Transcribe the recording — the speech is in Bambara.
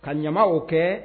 Ka ɲama o kɛ